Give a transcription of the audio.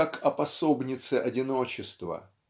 как о пособнице одиночества